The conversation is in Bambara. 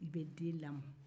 i bɛ den lamɔ